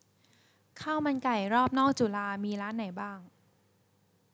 ข้าวมันไก่รอบนอกจุฬามีร้านไหนบ้าง